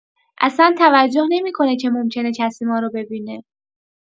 اصلا توجه نمی‌کنه که ممکنه کسی مارو ببینه